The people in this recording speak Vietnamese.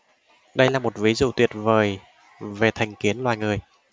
đây là một ví dụ tuyệt vời về thành kiến loài người